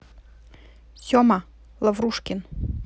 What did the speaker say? сема лаврушкин